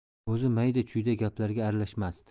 o'zi mayda chuyda gaplarga aralashmasdi